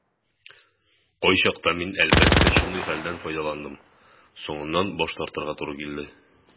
Кайчакта мин, әлбәттә, шундый хәлдән файдаландым - соңыннан баш тартырга туры килде.